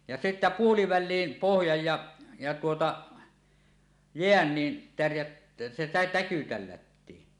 ja se sitten puoliväliin pohjaan ja ja tuota jään niin - se - täky tällättiin